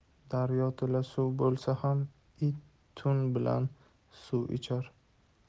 daryo to'la suv bo'lsa ham it tun bilan suv ichar